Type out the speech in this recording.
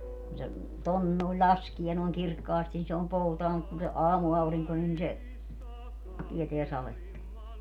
kun se tuonne noin laskee noin kirkkaasti niin se on poutaa mutta kun se aamuaurinko niin se tietää sadetta